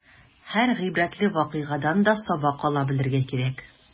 Һәр гыйбрәтле вакыйгадан да сабак ала белергә кирәк.